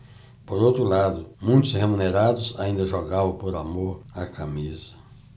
por outro lado muitos remunerados ainda jogavam por amor à camisa